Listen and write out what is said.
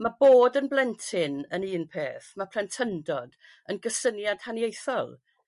Ma' bod yn blentyn yn un peth ma' plentyndod yn gysyniad haniaethol.